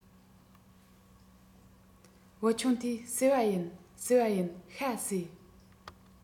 བུ ཆུང དེས བཟས པ ཡིན བཟས པ ཡིན ཤ བཟས